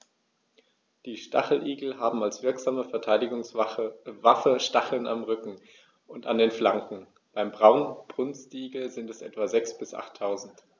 Die Stacheligel haben als wirksame Verteidigungswaffe Stacheln am Rücken und an den Flanken (beim Braunbrustigel sind es etwa sechs- bis achttausend).